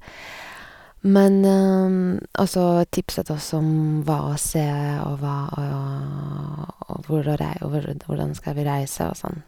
men Og så tipset oss om hva å se og hva å å hvor å rei og hvor å d hvordan skal vi reise og sånn.